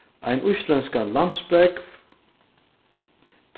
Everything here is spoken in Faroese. ein íslendskan lambsbógv